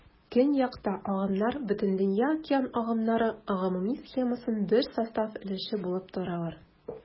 Көньякта агымнар Бөтендөнья океан агымнары гомуми схемасының бер состав өлеше булып торалар.